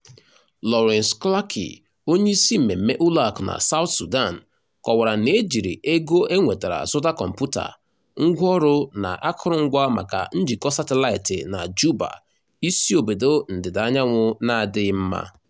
Laurence Clarke, onyeisi mmemme ụlọakụ na South Sudan, kọwara na e jiri ego enwetara zụta kọmputa, ngwanrọ na akụrụngwa maka njikọ satịlaịtị na Juba, isiobodo ndịdaanyanwụ n'adịghị mma.